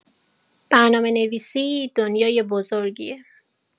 برنامه‌نویسی دنیای بزرگیه؛